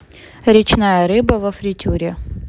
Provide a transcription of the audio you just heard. речная рыба во фритюре